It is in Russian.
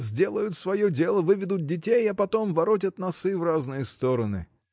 Сделают свое дело, выведут детей, а потом воротят носы в разные стороны.